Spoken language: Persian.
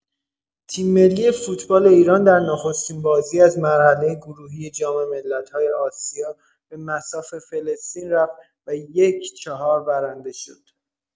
تیم‌ملی فوتبال ایران در نخستین بازی از مرحله گروهی جام ملت‌های آسیا به مصاف فلسطین رفت و ۱ - ۴ برنده شد.